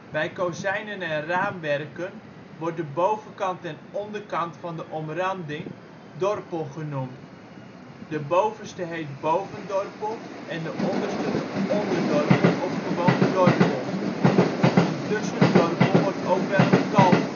Bij kozijnen en raamwerken wordt de bovenkant en de onderkant van de omranding dorpel genoemd. De bovenste heet bovendorpel en de onderste de onderdorpel of gewoon dorpel. Een tussendorpel wordt ook wel een kalf genoemd